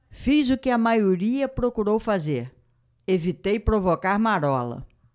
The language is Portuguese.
fiz o que a maioria procurou fazer evitei provocar marola